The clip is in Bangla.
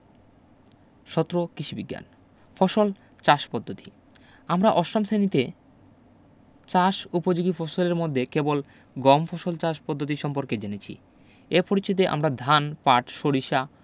১৭ কিষি বিজ্ঞান ফসল চাষ পদ্ধতি আমরা অষ্টম শ্রেণিতে চাষ উপযোগী ফসলের মধ্যে কেবল গম ফসল চাষ পদ্ধতি সম্পর্কে জেনেছি এ পরিচ্ছেদে আমরা ধান পাট সরিষা